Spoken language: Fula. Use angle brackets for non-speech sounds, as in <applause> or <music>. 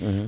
<hesitation> <hesitation>